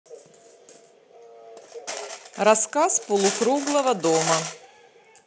рассказ полукруглого дома